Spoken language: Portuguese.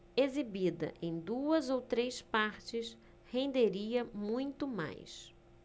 exibida em duas ou três partes renderia muito mais